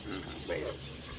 béy rek